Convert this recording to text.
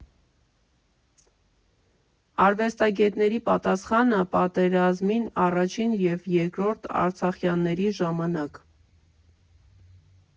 Արվեստագետների պատասխանը պատերազմին՝ առաջին և երկրորդ Արցախյանների ժամանակ։